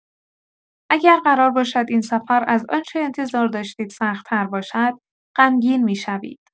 اگر قرار باشد این سفر از آنچه انتظار داشتید سخت‌تر باشد، غمگین می‌شوید.